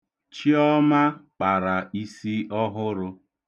Chiọma kpara isi ọhụrụ.